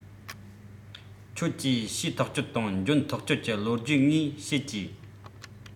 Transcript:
ཁྱོད ཀྱིས བྱས ཐག ཆོད དང འཇོན ཐག ཆོད ཀྱི ལོ རྒྱུས ངས བཤད ཀྱིས